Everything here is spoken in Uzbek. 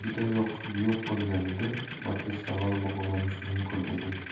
qilganida batista g'alaba qozonishi mumkin edi